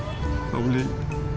hồng liên